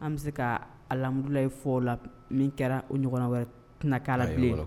An bɛ se kamilayi fɔ la min kɛra o ɲɔgɔn wɛrɛ tɛna' la bilen